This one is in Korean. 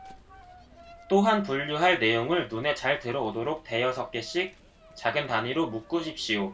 또한 분류한 내용을 눈에 잘 들어오도록 대여섯 개씩 작은 단위로 묶으십시오